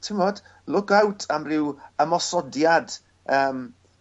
ti'mod look out am ryw ymosodiad yym